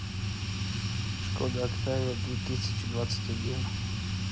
шкода октавия две тысячи двадцать один